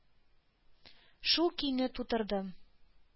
Шул көйне тудырдым.